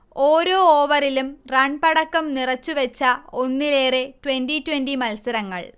ഓരോ ഓവറിലും റൺപടക്കം നിറച്ചു വച്ച ഒന്നിലേറെ ട്വന്റിട്വന്റി മൽസരങ്ങൾ